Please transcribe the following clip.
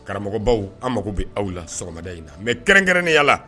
Karamɔgɔ baw an mako bɛ aw la sɔgɔmada in na mɛ kɛrɛnkɛrɛn ne yala la